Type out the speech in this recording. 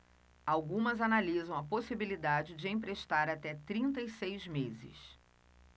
algumas analisam a possibilidade de emprestar até trinta e seis meses